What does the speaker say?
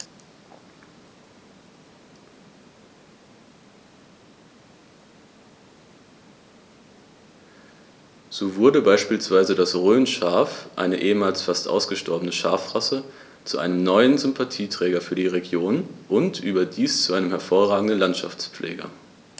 So wurde beispielsweise das Rhönschaf, eine ehemals fast ausgestorbene Schafrasse, zu einem neuen Sympathieträger für die Region – und überdies zu einem hervorragenden Landschaftspfleger.